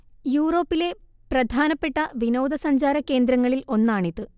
യൂറോപ്പിലെ പ്രധാനപ്പെട്ട വിനോദ സഞ്ചാര കേന്ദ്രങ്ങളിൽ ഒന്നാണിത്